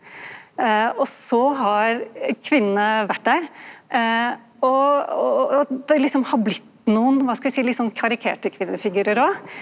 og så har kvinnene vore der og det liksom har blitt nokon kva skal vi seie litt sånn karikerte kvinnefigurar òg.